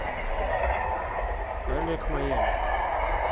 олег майами